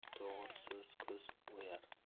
to'g'ri so'z ko'z o'yar